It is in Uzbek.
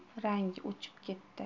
rangi o'chib ketdi